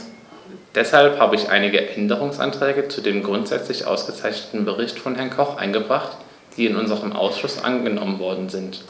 Deshalb habe ich einige Änderungsanträge zu dem grundsätzlich ausgezeichneten Bericht von Herrn Koch eingebracht, die in unserem Ausschuss angenommen worden sind.